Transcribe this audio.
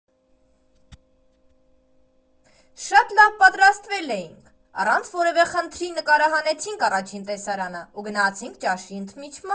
Շատ լավ պատրաստվել էինք, առանց որևէ խնդրի նկարահանեցինք առաջին տեսարանը ու գնացինք ճաշի ընդմիջման։